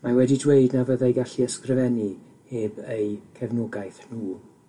Mae wedi dweud na fyddai gallu ysgrifennu heb eu cefnogaeth nhw.